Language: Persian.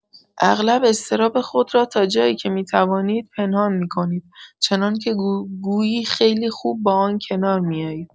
اغلب اضطراب خود را تا جایی که می‌توانید پنهان می‌کنید، چنان‌که گویی خیلی خوب با آن کنار می‌آیید.